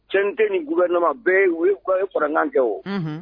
CNT ni gouvernement u bɛɛ ye u ye u ka ye faraŋan kɛ o unhun